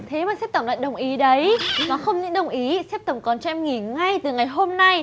thế mà sếp tổng lại đồng ý đấy mà không những đồng ý sếp tổng còn cho em nghỉ ngay từ ngày hôm nay